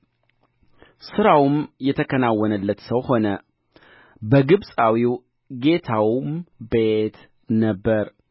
ጌታውም እግዚአብሔር ከእርሱ ጋር እንዳለ እርሱ የሚሠራውንም ሁሉ እግዚአብሔር በእጁ እንዲያከናውንለት አየ